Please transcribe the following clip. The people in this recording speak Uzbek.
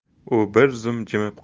u bir zum jimib